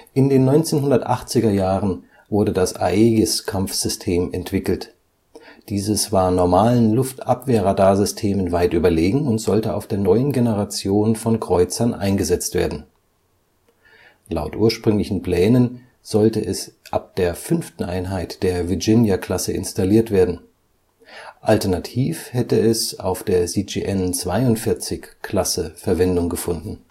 In den 1980er Jahren wurde das Aegis-Kampfsystem entwickelt. Dieses war normalen Luftabwehrradarsystemen weit überlegen und sollte auf der neuen Generation von Kreuzern eingesetzt werden. Laut ursprünglichen Plänen sollte es ab der fünften Einheit der Virginia-Klasse installiert werden, alternativ hätte es auf der CGN-42-Klasse Verwendung gefunden